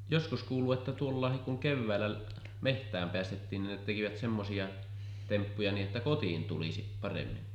joskus kuullut että tuolla laillakin kun keväällä metsään päästettiin niin ne tekivät semmoisia temppuja niin että kotiin tulisi paremmin